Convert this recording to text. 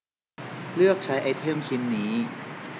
เลือกใช้ไอเทมชิ้นนี้